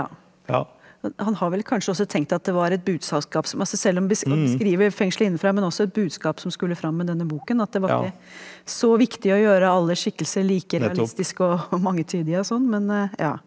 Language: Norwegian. ja han har vel kanskje også tenkt at det var et budskap som altså selv om han beskriver fengslet innenfra men også et budskap som skulle fram med denne boken at det var ikke så viktig å gjøre alle skikkelser like realistiske og mangetydige og sånn men ja.